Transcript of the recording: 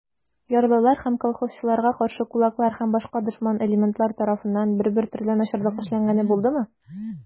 Ярлылар һәм колхозчыларга каршы кулаклар һәм башка дошман элементлар тарафыннан бер-бер төрле начарлык эшләнгәне булдымы?